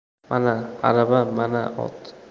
mana arava mana ot